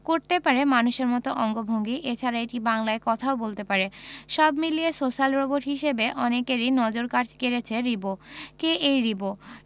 করতে পারে মানুষের মতো অঙ্গভঙ্গি এছাড়া এটি বাংলায় কথাও বলতে পারে সব মিলিয়ে সোশ্যাল রোবট হিসেবে অনেকেরই নজর কেড়েছে রিবো কে এই রিবো